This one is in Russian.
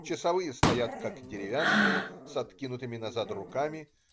Часовые стоят как деревянные, с откинутыми назад руками.